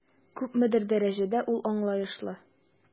Күпмедер дәрәҗәдә ул аңлаешлы.